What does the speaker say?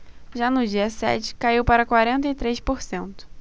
já no dia sete caiu para quarenta e três por cento